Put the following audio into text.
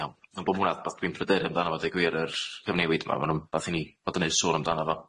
Iawn gan bo hwnna ddath dwi'n pryder amdano fo deud gwir yr cyfnewid ma' ma' nw'n dath i ni fod yn neud sŵr amdano fo.